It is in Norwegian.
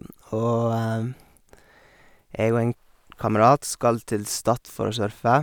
Og jeg og en kamerat skal til Stadt for å surfe.